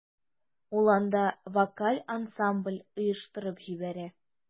Ул анда вокаль ансамбль оештырып җибәрә.